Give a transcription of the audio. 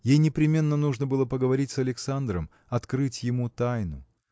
ей непременно нужно было поговорить с Александром открыть ему тайну.